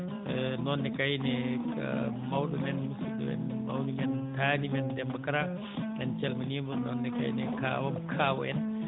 e noon ne kayne mawɗo men musidɗo men mawni men taani men debbo Kara en calminii mo ɗon ne kayne e kaawu am kaawu en